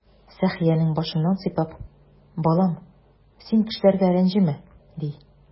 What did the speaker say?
Сәхиянең башыннан сыйпап: "Балам, син кешеләргә рәнҗемә",— ди.